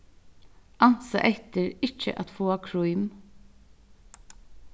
ansa eftir ikki at fáa krím